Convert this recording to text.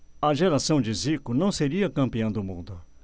a geração de zico não seria campeã do mundo